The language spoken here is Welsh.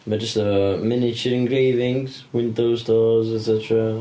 Mae jyst efo miniature engravings, windows doors, etc.